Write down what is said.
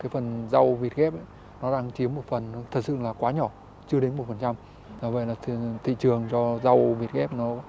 cái phần rau vietgap nó đang chiếm một phần thật sự là quá nhỏ chưa đến một phần trăm do vậy là thị trường cho rau vietgap nó